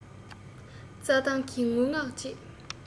རྩ ཐང གི ངུ ངག བཅས